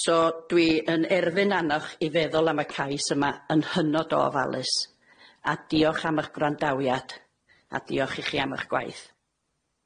So dwi yn erfyn annoch i feddwl am y cais yma yn hynod o ofalus a diolch am ych gwrandawiad a diolch i chi am ych gwaith.